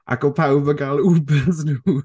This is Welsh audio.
ac oedd pawb yn cael Ubers nhw...